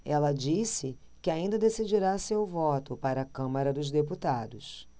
ela disse que ainda decidirá seu voto para a câmara dos deputados